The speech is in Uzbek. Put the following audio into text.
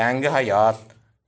yangi hayot